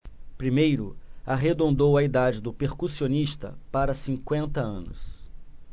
primeiro arredondou a idade do percussionista para cinquenta anos